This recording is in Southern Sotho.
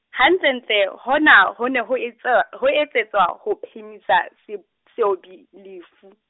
hantlentle, hona ho ne ho , ho etsetswa ho phemisa, Seb-, Seobi lefu.